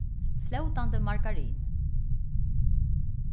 flótandi margarin